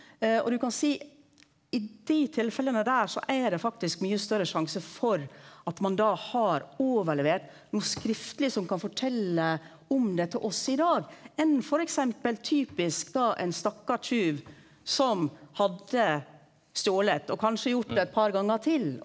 og du kan seie i dei tilfella der så er det faktisk mykje større sjanse for at ein da har overlevert noko skriftleg som kan fortelje om dette også i dag, enn f.eks. typisk da ein stakkars tjuv som hadde stole og kanskje gjort det eit par gonger til.